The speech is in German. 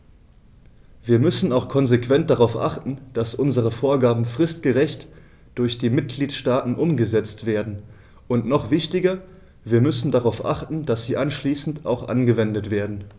Wir müssen auch konsequent darauf achten, dass unsere Vorgaben fristgerecht durch die Mitgliedstaaten umgesetzt werden, und noch wichtiger, wir müssen darauf achten, dass sie anschließend auch angewendet werden.